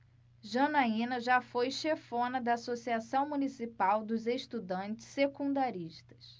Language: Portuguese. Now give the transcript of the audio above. janaina foi chefona da ames associação municipal dos estudantes secundaristas